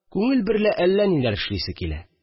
Күңел берлә әллә ниләр эшләсе килә